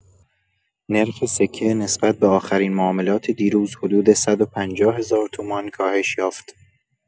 نرخ سکه نسبت به آخرین معاملات دیروز حدود ۱۵۰ هزار تومان کاهش یافت.